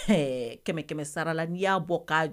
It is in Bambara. Ɛɛ kɛmɛ kɛmɛ sarala n'i y'a bɔ k'